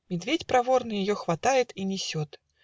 медведь проворно Ее хватает и несет